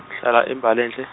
ngihlala eMbalenhle.